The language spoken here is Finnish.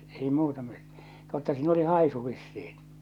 ei muuta - totta siinä oli haisu vissiin